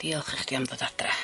Diolch i chdi am ddod adre.